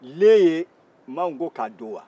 le ye n ma fɔ ko k'a don wa